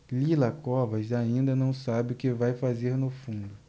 lila covas ainda não sabe o que vai fazer no fundo